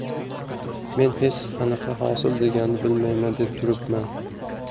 men hech qanaqa hosil deganni bilmayman deb turibman